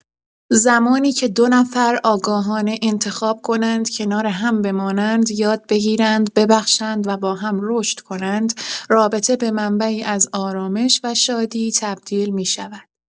زمانی که دو نفر آگاهانه انتخاب کنند کنار هم بمانند، یاد بگیرند، ببخشند و با هم رشد کنند، رابطه به منبعی از آرامش و شادی تبدیل می‌شود؛